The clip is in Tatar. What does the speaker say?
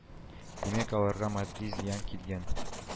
Димәк, аларга матди зыян килгән